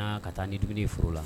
Ka taa ni dumuni foro la